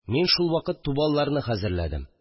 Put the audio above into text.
Мин шулвакыт тубалларны хәзерләдем